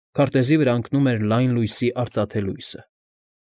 Քարտեզի վրա ընկնում էր լայն լուսնի արծաթե լույսը։